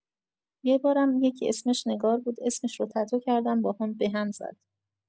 یبارم یکی اسمش نگار بود، اسمش رو تتو کردم باهام بهم زد!